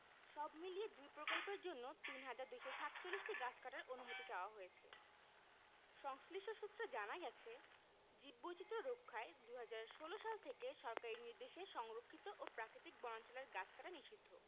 সবমিলিয়ে দুই প্রকল্পের জন্য ৩হাজার ২৪৭টি গাছ কাটার অনুমতি চাওয়া হয়েছে সংশ্লিষ্ট সূত্রে জানা গেছে জীববৈচিত্র্য রক্ষায় ২০১৬ সাল থেকে সরকারি নির্দেশে সংরক্ষিত ও প্রাকৃতিক বনাঞ্চলের গাছ কাটা নিষিদ্ধ